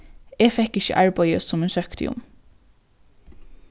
eg fekk ikki arbeiðið sum eg søkti um